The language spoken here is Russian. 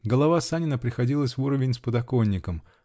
Голова Санина приходилась в уровень с подоконником